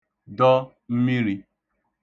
dọ mmirī